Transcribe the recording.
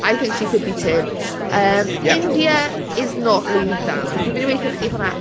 I think she could be turned. Yym... Ie. ...India is not leaving Dami. Dwi'n mynd i gweud wrthych chi hwnna...